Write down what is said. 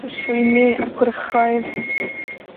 y llwyni, a gwrychoedd,